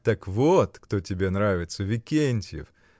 так вот кто тебе нравится: Викентьев!